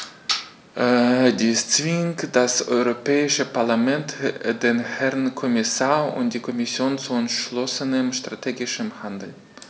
Dies zwingt das Europäische Parlament, den Herrn Kommissar und die Kommission zu entschlossenem strategischen Handeln.